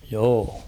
joo